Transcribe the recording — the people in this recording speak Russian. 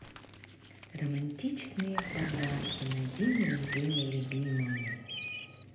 романтичные подарки на день рождения любимому